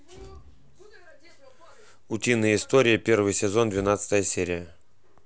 утиные истории первый сезон двенадцатая серия